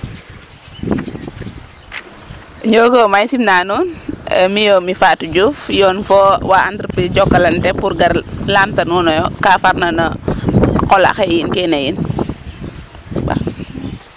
Njooko maxey simna nuun mi'o mi Fatou Diouf yon fo wa entrepise Jokalante pour gar laamta nuunoyo ka far na qol axe yiin kene yiin .